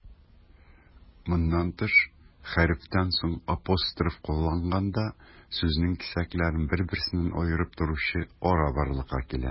Моннан тыш, хәрефтән соң апостроф кулланганда, сүзнең кисәкләрен бер-берсеннән аерып торучы ара барлыкка килә.